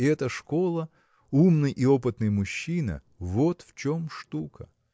и эта школа – умный и опытный мужчина – вот в чем штука!